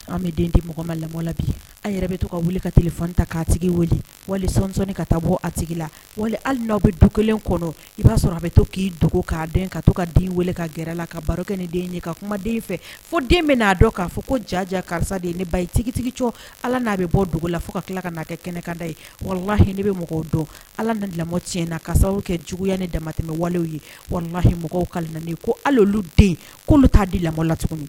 An bɛ den di mɔgɔ ma lamɔla bi an yɛrɛ bɛ to ka wuli ka tilefan ta ka tigi weele walini ka taa bɔ a tigi la wali hali n' aw bɛ dugu kelen kɔnɔ i b'a sɔrɔ a bɛ to k'i dogo kaden ka to ka den weele ka gɛrɛ la ka baro kɛ ne den ye ka kumaden fɛ fo den bɛ n'a dɔn kaa fɔ ko jaja karisa de ye ne ba ye tigitigi c ala n'a bɛ bɔ dugu la fo ka tila ka'a kɛ kɛnɛ kada ye walalahi ne bɛ mɔgɔw dɔn ala ni lamɔ ti na karisa kɛ juguyaya ni damatɛmɛ wale ye walahimɔgɔ ka na ko den'olu ta di lamɔ la tuguni